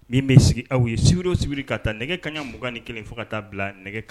Min bɛ sigi aw ye siro sigibi ka ta nɛgɛ kaɲaugan ni kelen fo ka taa bila nɛgɛ